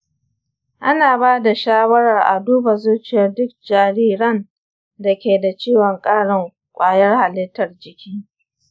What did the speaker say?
ana ba da shawarar a duba zuciyar duk jariran da ke da ciwon ƙarin kwayar halittar jiki.